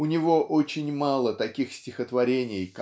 У него очень мало таких стихотворений